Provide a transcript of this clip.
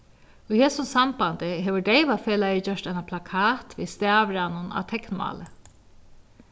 í hesum sambandi hevur deyvafelagið gjørt eina plakat við stavraðnum á teknmáli